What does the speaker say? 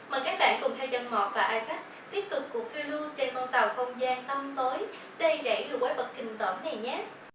mời các bạn cùng theo chân mọt và isaac tiếp tục cuộc phiêu lưu trên con tàu không gian tăm tối đầy rẫy lũ quái vật kinh tởm này nhé